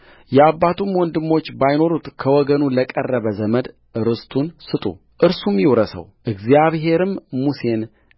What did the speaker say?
የአባቱም ወንድሞች ባይኖሩት ከወገኑ ለቀረበ ዘመድ ርስቱን ስጡ እርሱም ይውረሰው እግዚአብሔርም ሙሴን